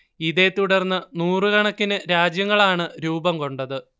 ഇതെത്തുടർന്ന് നൂറുകണക്കിന് രാജ്യങ്ങളാണ് രൂപം കൊണ്ടത്